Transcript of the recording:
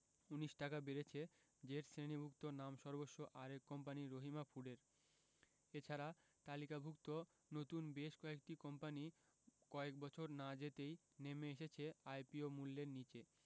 ১৯ টাকা বেড়েছে জেড শ্রেণিভুক্ত নামসর্বস্ব আরেক কোম্পানি রহিমা ফুডের এ ছাড়া তালিকাভুক্ত নতুন বেশ কয়েকটি কোম্পানি কয়েক বছর না যেতেই নেমে এসেছে আইপিও মূল্যের নিচে